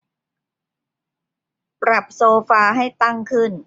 ปรับโซฟาให้ตั้งขึ้น